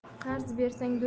qarz bersang do'st